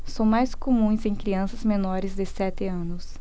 são mais comuns em crianças menores de sete anos